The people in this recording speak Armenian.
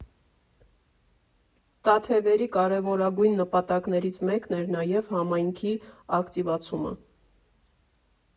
«ՏաԹևերի» կարևորագույն նպատակներից մեկն էր նաև համայնքի ակտիվացումը։